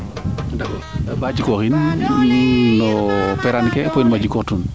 ba jikooxin no peraan ke pod num a jikooxun